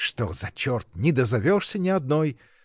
— Что за черт — не дозовешься ни одной!